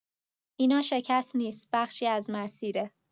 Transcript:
اینا شکست نیست، بخشی از مسیره.